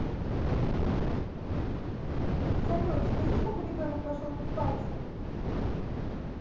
салют скажи чтоб ребенок пошел купаться